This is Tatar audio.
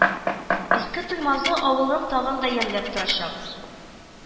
Иске Туймазы авылын тагын да ямьләп торачак